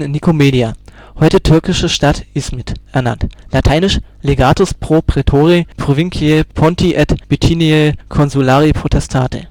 Nikomedia (heute türkische Stadt Izmit) ernannt (lat.: legatus pro praetore provinciae Ponti et Bithyniae consulari potestate